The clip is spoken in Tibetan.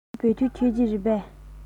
ཁོང བོད ཐུག མཆོད ཀྱི རེད པས